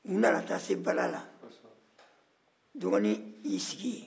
u nana taa se bada la dɔgɔnin y'i sigi yen